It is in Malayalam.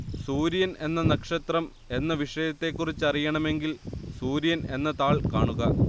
സൂര്യൻ എന്ന നക്ഷത്രം എന്ന വിഷയത്തെക്കുറിച്ച് അറിയണമെങ്കിൽ സൂര്യൻ എന്ന താൾ കാണുക